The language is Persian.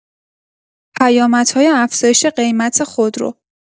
پیامدهای افزایش قیمت خودرو